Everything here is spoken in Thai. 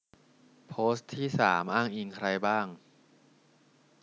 โพสต์ที่สามอ้างอิงใครบ้าง